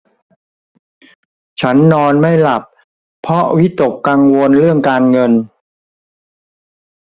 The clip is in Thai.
ฉันนอนไม่หลับเพราะวิตกกังวลเรื่องการเงิน